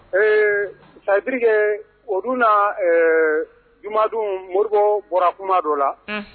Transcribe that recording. Ee c'est à dire que o don na ɛɛ juma don Modibo bɔra kuma dɔ la. Unhun